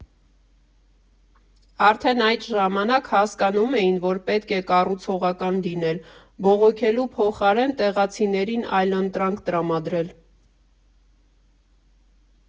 Արդեն այդ ժամանակ հասկանում էին, որ պետք է կառուցողական լինել, բողոքելու փոխարեն տեղացիներին այլընտրանք տրամադրել։